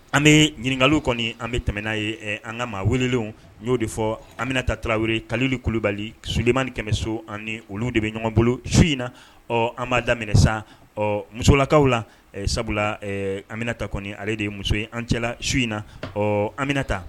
An bɛ ɲininkaka kɔni an bɛ tɛmɛɛna ye an ka maa wele y'o de fɔ anmina ta tarawele kali kulubali sulemani ni kɛmɛso ani olu de bɛ ɲɔgɔn bolo su in na ɔ an b'a daminɛ sa ɔ musolakaw la sabula anmina ta kɔni ale de ye muso in an cɛla su in na ɔ anmina taa